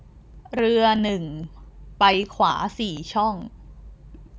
เรือหนึ่งไปขวาสี่ช่อง